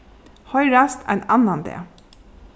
hoyrast ein annan dag